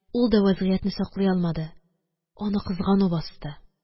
Ул да ул вазгыятьне саклый алмады, аны кызгану басты.